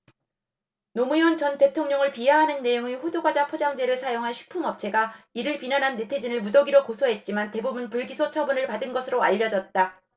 노무현 전 대통령을 비하하는 내용의 호두과자 포장재를 사용한 식품업체가 이를 비난한 네티즌을 무더기로 고소했지만 대부분 불기소 처분을 받은 것으로 알려졌다